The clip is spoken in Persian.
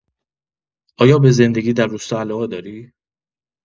آیا به زندگی در روستا علاقه داری؟